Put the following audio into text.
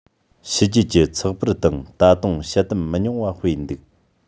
ཕྱི རྒྱལ གྱི ཚགས པར སྟེང ད དུང དཔྱད གཏམ མི ཉུང བ སྤེལ འདུག